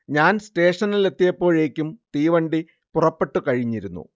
ഞാൻ സ്റ്റേഷനിലെത്തിയപ്പോഴേക്കും തീവണ്ടി പുറപ്പെട്ടു കഴിഞ്ഞിരുന്നു